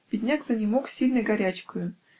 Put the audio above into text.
Бедняк занемог сильной горячкою